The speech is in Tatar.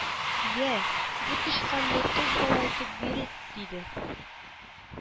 Йә, бу тычканны кыз бала итеп бир, диде